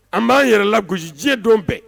An b'an yɛrɛ la g diɲɛ don bɛɛ